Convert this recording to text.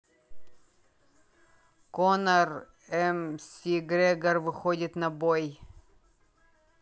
conor mcgregor выходит на бой